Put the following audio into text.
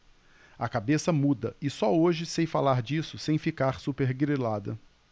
a cabeça muda e só hoje sei falar disso sem ficar supergrilada